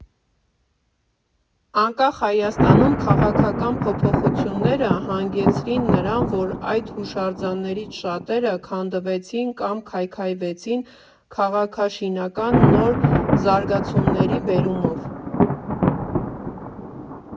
Անկախ Հայաստանում քաղաքական փոփոխությունները հանգեցրին նրան, որ այդ հուշարձաններից շատերը քանդվեցին կամ քայքայվեցին քաղաքաշինական նոր զարգացումների բերումով։